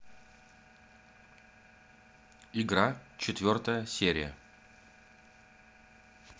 игра четвертая серия